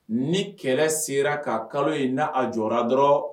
Ni kɛlɛ sera ka kalo in na a jɔ dɔrɔn